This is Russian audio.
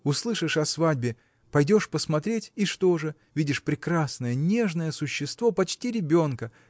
Услышишь о свадьбе, пойдешь посмотреть – и что же? видишь прекрасное нежное существо почти ребенка